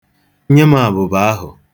Nye m abuba ahụ.